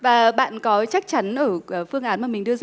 và bạn có chắc chắn ở phương án mà mình đưa